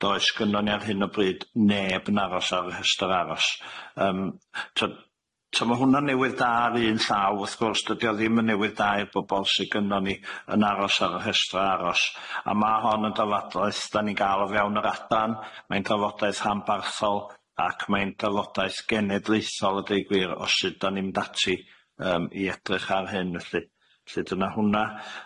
Does gynnon ni ar hyn o bryd neb yn aros ar y rhestr aros, yym t'od t'o' ma' hwnna'n newydd da ar un llaw wrth gwrs dydi o ddim yn newydd da i'r bobol sy gynnon ni yn aros ar y rhestr aros, a ma' hon yn darladaeth dan ni'n ga'l o fewn yr adran mae'n darlodaeth hanbarthol ac mae'n darlodaeth genedlaethol a deud gwir o sud dan ni'n mynd ati yym i edrych ar hyn felly felly dyna hwnna.